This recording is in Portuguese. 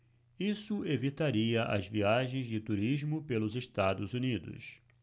isso evitaria as viagens de turismo pelos estados unidos